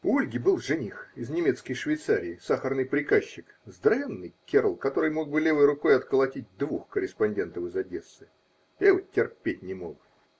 У Ольги был жених из немецкой Швейцарии, сахарный приказчик, здоровенный керл, который мог бы левой рукой отколотить двух корреспондентов из Одессы. Я его терпеть не мог.